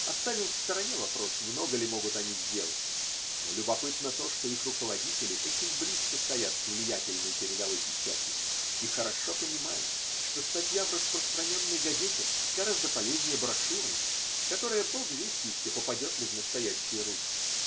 оставим в стороне вопрос, много ли могут они сделать: но любопытно то, что их руководители очень близко стоят к влиятельной передовой печати и хорошо понимают, что статья в распространенной газете гораздо полезнее брошюры, которая Бог весть еще попадет ли в настоящие руки.